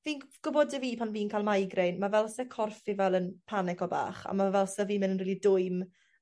fi'n gwf- gwbod 'dy fi pan fi'n ca'l migraine ma' fel se corff fi fel yn panico bach a ma' fe fel sa fi myn' yn rili dwym